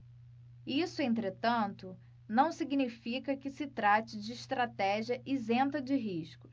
isso entretanto não significa que se trate de estratégia isenta de riscos